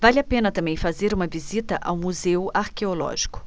vale a pena também fazer uma visita ao museu arqueológico